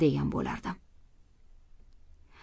degan bo'lardim